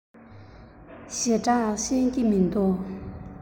ཞེ དྲགས ཤེས ཀྱི མི འདུག